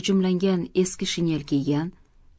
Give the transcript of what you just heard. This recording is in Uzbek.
g'ijimlangan eski shinel kiygan